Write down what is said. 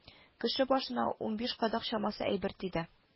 Кеше башына унбишәр кадак чамасы әйбер тиде